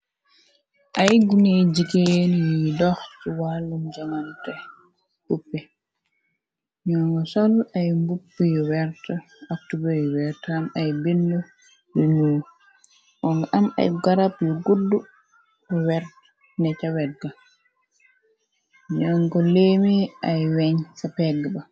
Ay guney jigeen yiy dox ci wàllum jomante buppe ñoo ngo sol ay mbupp yu wert aktubër yu wert am ay bind yunu onga am ay garab yu gudd wert ne ca wegg nengo leemi ay weñ ca pegg ba.